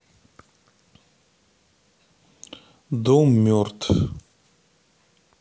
дом мертв